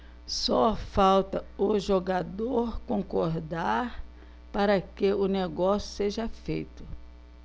só falta o jogador concordar para que o negócio seja feito